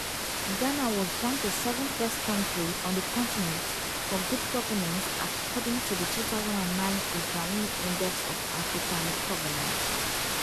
Ghana was ranked the seventh-best country on the continent for good governance according to the 2009 Ibrahim Index of African Governance.